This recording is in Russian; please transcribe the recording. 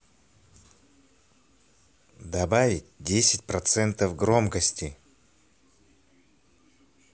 добавить десять процентов громкости